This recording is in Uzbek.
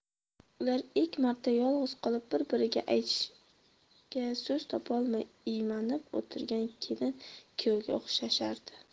ular ilk marta yolg'iz qolib bir biriga aytishga so'z topolmay iymanib o'tirgan kelin kuyovga o'xshashardi